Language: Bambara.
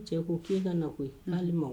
Cɛ ko k'i ka nakɔ koyi n'ale ma